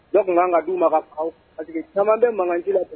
N tun kan ka du baba parceseke caman bɛ mankan ji